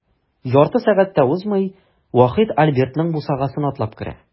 Ярты сәгать тә узмый, Вахит Альбертның бусагасын атлап керә.